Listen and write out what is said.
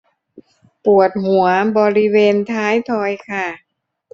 ปวดหัวบริเวณท้ายทอยค่ะ